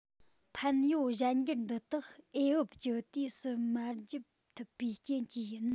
ཕན ཡོད གཞན འགྱུར འདི དག འོས བབས ཀྱི དུས སུ མར བརྒྱུད ཐུབ པའི རྐྱེན གྱིས ཡིན